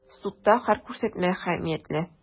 Судта һәр күрсәтмә әһәмиятле.